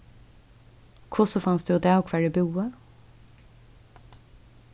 hvussu fanst tú útav hvar eg búði